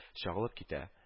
Чагылып китә